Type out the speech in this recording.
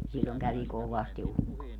silloin kävi kovasti ukkonen